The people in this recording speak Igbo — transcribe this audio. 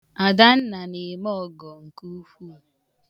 Adanna na-eme ọgọ nke ukwu.